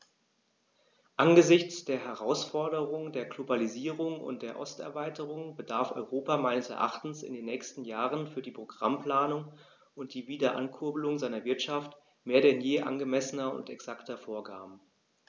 Angesichts der Herausforderung der Globalisierung und der Osterweiterung bedarf Europa meines Erachtens in den nächsten Jahren für die Programmplanung und die Wiederankurbelung seiner Wirtschaft mehr denn je angemessener und exakter Vorgaben.